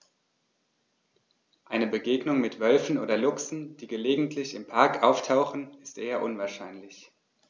Eine Begegnung mit Wölfen oder Luchsen, die gelegentlich im Park auftauchen, ist eher unwahrscheinlich.